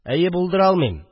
– әйе, булдыра алмыйм